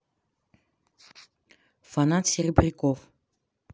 фанат серебряков